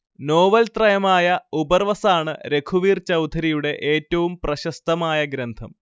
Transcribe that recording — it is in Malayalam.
നോവൽത്രയമായ ഉപർവസാണ് രഘുവീർ ചൗധരിയുടെ ഏറ്റവും പ്രശസ്തമായ ഗ്രന്ഥം